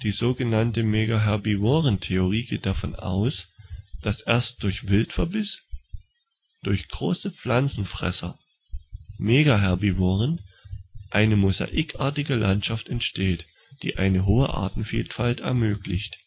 so genannte Megaherbivorentheorie geht davon aus, dass erst durch Wildverbiss durch große Pflanzenfresser (Megaherbivoren) eine mosaikartige Landschaft entsteht, die eine hohe Artenvielfalt ermöglicht